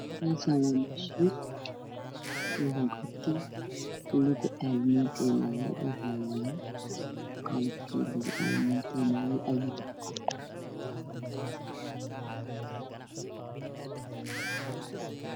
Meeshaan wajiin waa meel lagu caalamiinteeyo waxaa yaalo qalabka lagu aalamiiteeyo waxaana joogo nin aalamiinteynayo